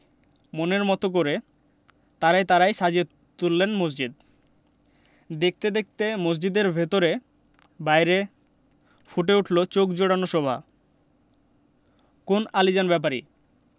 মনের মতো করে তারায় তারায় সাজিয়ে তুললেন মসজিদ দেখতে দেখতে মসজিদের ভেতরে বাইরে ফুটে উঠলো চোখ জুড়োনো শোভা কোন আলীজান ব্যাপারী